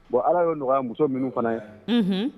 Bon ala ye nɔgɔya muso minnu fana yehun